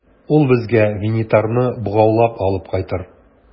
Ул безгә Винитарны богаулап алып кайтыр.